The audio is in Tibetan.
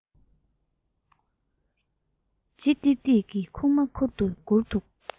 ལྗིད ཏིག ཏིག གི ཁུག མ ཁུར ནས གུར དུ ལོག